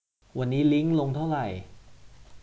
วันนี้ลิ้งลงเท่าไหร่